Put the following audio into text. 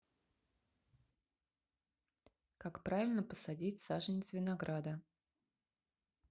как правильно посадить саженец винограда